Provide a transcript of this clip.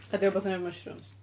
Ydi o rywbeth i neud efo mushrooms?